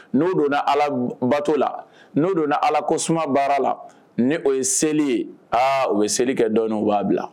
N'o donna ala bato la n'o donna ala ko sumabara la ni o ye seli ye aa u bɛ seli kɛ dɔɔninw b'a bila